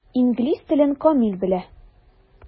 Инглиз телен камил белә.